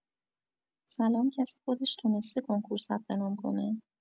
سلام کسی خودش تونسته کنکور ثبت‌نام کنه؟